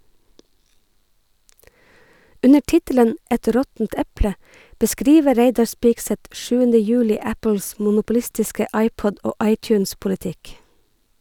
Under tittelen "Et råttent eple" beskriver Reidar Spigseth 7. juli Apples monopolistiske iPod- og iTunes-politikk.